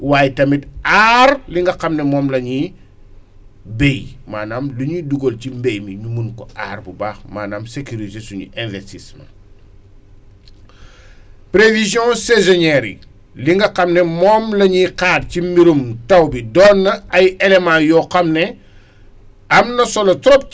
waye tamit aar li nga xam ne moom la ñuy béy maanaam lu ñuy dugal ci mbéy mi ñu mun ko aar bu baax maanaam sécuriser suñu investissement prévisions saisonnières yi li nga xam ne moom la ñuy xaar ci mbirum taw bi doon na ay éléments yoo xam ne am na solo trop